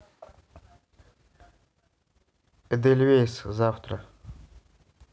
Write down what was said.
эдельвейс завтра